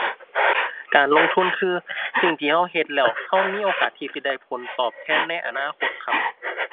การลงทุนคือสิ่งที่เราเฮ็ดแล้วเรามีโอกาสที่สิได้ผลตอบแทนในอนาคตครับ